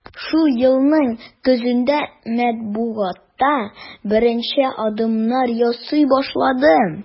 Шул елның көзендә матбугатта беренче адымнар ясый башладым.